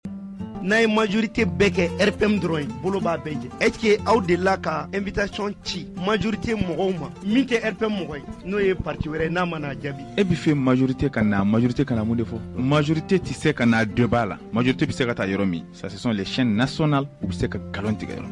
N'a ye majorite bɛ kɛ p dɔrɔn bolo bɛɛ jɛ eci aw de la k ka e bɛ taaɔn ci majrite mɔgɔw ma min tɛ p mɔgɔ n'o ye pati wɛrɛ n'a mana jaabi e bɛ fɛ majrite ka majurute kana mun de fɔ majorite tɛ se ka dɔ b'a la maj te bɛ se ka taa yɔrɔ min sisansi leyɛn nas u bɛ se ka nkalon tigɛyɔrɔ